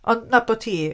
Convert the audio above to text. Ond nabod hi.